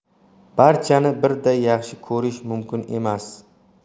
barchani birday yaxshi ko'rish mumkin emas